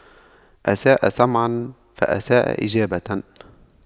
أساء سمعاً فأساء إجابة